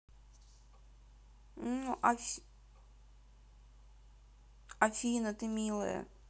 афина ты милая